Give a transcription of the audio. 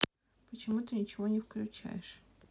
почему ты ничего не включаешь